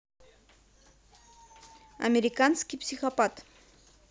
американский психопат